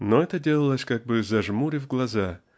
но это делалось как бы зажмурив глаза